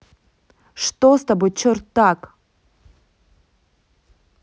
что с тобой черт так